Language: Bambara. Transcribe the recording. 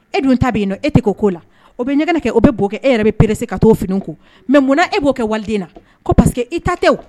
E dun ta yen e tɛ' o ko la o bɛ ɲɛgɛn kɛ o bɛ bɔ kɛ e yɛrɛ bɛ perese ka t'o fini ko mɛ munna e b'o kɛ waliden na ko paseke i ta tɛ